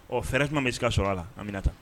Ɔ fɛɛrɛ jumɛn bɛ se ka sɔrɔ a la Aminata?